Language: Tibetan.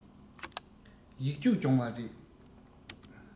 ཡིག རྒྱུགས སྦྱོང བ རེད